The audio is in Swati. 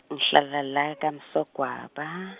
ngihlala la Kamsogwaba .